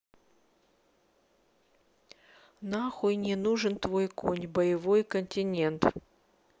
нахуй не нужен твой конь боевой континент